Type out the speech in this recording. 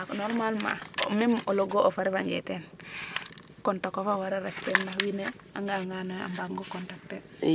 normalement meme o logo of a refa nge teen contact of a wara ref teen ndax win we nga anga noyo a mbaag ngo contacter te